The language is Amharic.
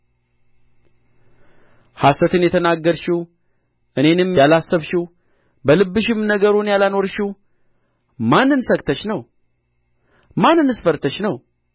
ሐሰትን የተናገርሺው እኔንም ያላሰብሺው በልብሽም ነገሩን ያላኖርሺው ማንን ሰግተሽ ነው ማንንስ ፈርተሽ ነው